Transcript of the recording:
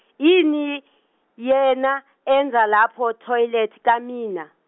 ini yena enza lapho toilet kamina.